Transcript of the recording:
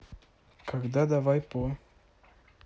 когда давай по